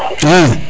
a